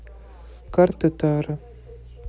карты таро